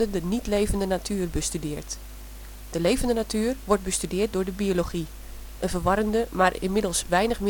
de niet-levende natuur bestudeert. De levende natuur wordt bestudeerd door de biologie (een verwarrende maar inmiddels weinig